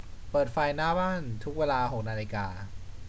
ปิดไฟหน้าบ้านทุกเวลาหกนาฬิกา